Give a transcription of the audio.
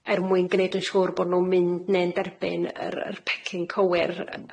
er mwyn gneud yn siŵr bo' nw'n mynd ne'n derbyn yr yr pecyn cywir y- y-